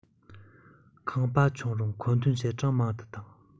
ཁང པ ཆུང འབྲིང མཁོ འདོན བྱེད གྲངས མང དུ བཏང